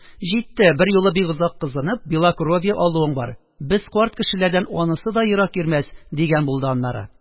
Җитте, берьюлы бик озак кызынып, белокровье алуың бар, без карт кешеләрдән анысы да ерак йөрмәс, – дигән булды аннары,